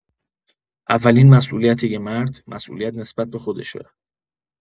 اولین مسئولیت یه مرد، مسئولیت نسبت به خودشه.